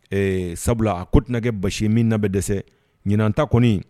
Ee sabula ko tɛna basi min na bɛ dɛsɛ ɲinan ta kɔni